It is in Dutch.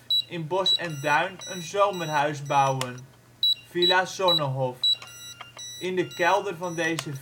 in Bosch en Duin een zomerhuis bouwen, Villa Zonnehof. In de kelder van deze